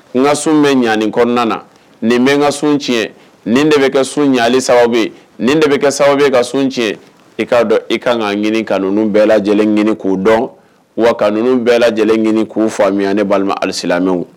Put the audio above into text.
Ŋa sun bɛ ɲa nin kɔɔna na nin bɛ n ŋa sun tiɲɛ ni de bɛ kɛ sun ɲali sababu ye nin de bɛ kɛ sababu ye ka sun tiɲɛ i k'a dɔn i kaan ŋa ɲini ka nunnu bɛɛ lajɛlen ɲini k'u dɔn wa ka nunnu bɛɛ lajɛlen ɲini k'u famuya ne balima alisilamɛw